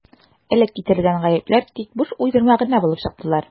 Элек китерелгән «гаепләр» тик буш уйдырма гына булып чыктылар.